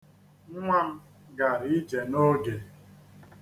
Nnwa m gara ije n'oge.